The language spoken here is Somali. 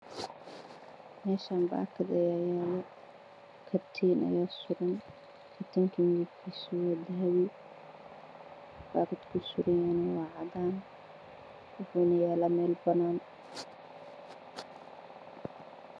Meeshan baket ayaa waxaa ku jira katirsan midabkiisa yahay dahabi waxa uu saaran yahay meel cadaan